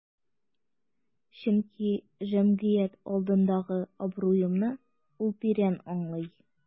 Чөнки җәмгыять алдындагы абруемны ул тирән аңлый.